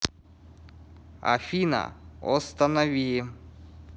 афина останови